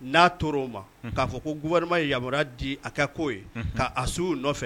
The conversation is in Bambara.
N'a tor'o ma k'a fɔ ko gouvernement ye yamaruya di a kɛ ko'o ye, k'a suit u nɔ fɛ.